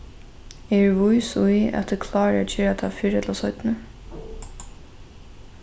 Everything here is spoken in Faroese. eg eri vís í at eg klári at gera tað fyrr ella seinni